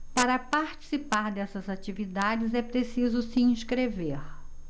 para participar dessas atividades é preciso se inscrever